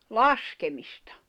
laskemista